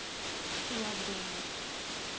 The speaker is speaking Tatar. Сулап булмый.